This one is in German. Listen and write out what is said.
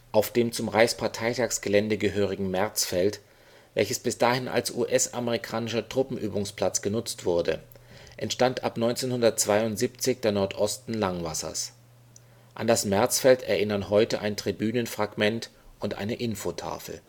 Auf dem zum Reichsparteitagsgelände gehörigen Märzfeld, welches bis dahin als US-amerikanischer Truppenübungsplatz genutzt wurde, entstand ab 1972 der Nordosten Langwassers. An das Märzfeld erinnern heute ein Tribünenfragment und eine Infotafel